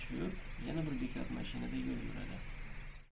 yana bir bekat mashinada yo'l yuradi